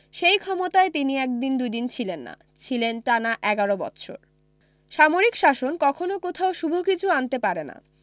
সেই ক্ষমতায় তিনি একদিন দুইদিন ছিলেন না ছিলেন টানা এগারো বৎসর সামরিক শাসন কখনও কোথাও শুভ কিছু আনতে পারে না